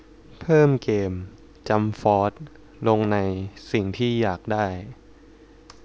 เพิ่มเกมจั้มฟอสลงในสิ่งที่อยากได้